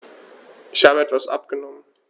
Ich habe etwas abgenommen.